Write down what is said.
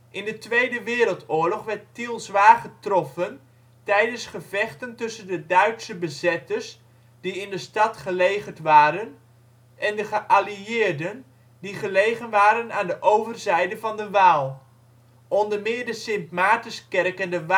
In WO II werd Tiel zwaar getroffen tijdens gevechten tussen de Duitse bezetters die in de stad gelegerd waren en de geallieerden die gelegen waren aan de overzijde van de Waal. Onder meer de Sint Maartenskerk en de Waterpoort